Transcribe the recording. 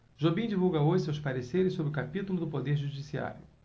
jobim divulga hoje seus pareceres sobre o capítulo do poder judiciário